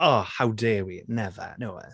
Oh, how dare we? Never, no way.